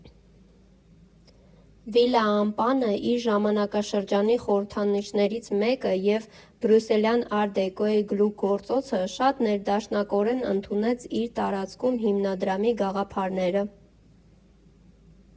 Վիլա Ամպանը՝ իր ժամանակաշրջանի խորհրդանիշներից մեկը և բրյուսելյան ար֊դեկոյի գլուխգործոցը, շատ ներդաշնակորեն ընդունեց իր տարածքում Հիմնադրամի գաղափարները։